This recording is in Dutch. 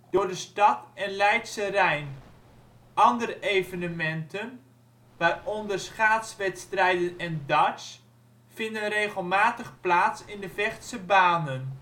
door de stad en Leidsche Rijn. Andere evenementen, waaronder schaatswedstrijden en darts, vinden regelmatig plaats in de Vechtsebanen